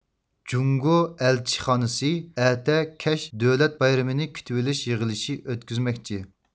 جۇڭگۇ ئەلچىخانىسى ئەتە كەچ دۆلەت بايرىمىنى كۈتىۋىلىش يىغىلىشى ئۆتكۈزمەكچى